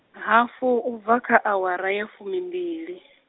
hafu u bva kha awara ya fumimbili.